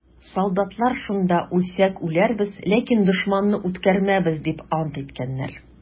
Солдатлар шунда: «Үлсәк үләрбез, ләкин дошманны үткәрмәбез!» - дип ант иткәннәр.